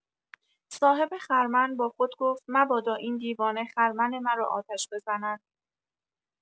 صاحب خرمن با خود گفت مبادا این دیوانه خرمن مرا آتش بزند!